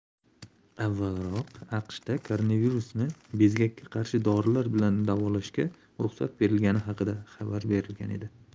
avvalroq aqshda koronavirusni bezgakka qarshi dorilar bilan davolashga ruxsat berilgani haqida xabar berilgan edi